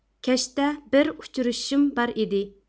كەچتە بىر ئۇچرىشىشىم بار ئىدى